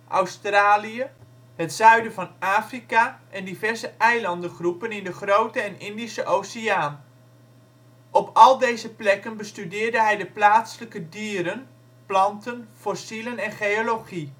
Australië, het zuiden van Afrika en diverse eilandengroepen in de Grote en Indische Oceaan. Op al deze plekken bestudeerde hij de plaatselijke dieren, planten, fossielen en geologie